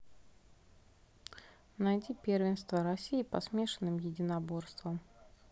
найди первенство россии по смешанным единоборствам